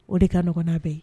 O de ka ɲɔgɔn n'a bɛɛ ye.